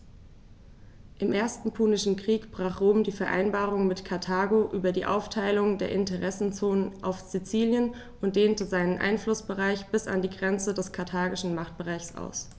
Im Ersten Punischen Krieg brach Rom die Vereinbarung mit Karthago über die Aufteilung der Interessenzonen auf Sizilien und dehnte seinen Einflussbereich bis an die Grenze des karthagischen Machtbereichs aus.